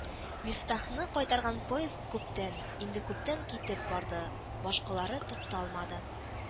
Мифтахны кайтарган поезд күптән, инде күптән китеп барды, башкалары тукталмады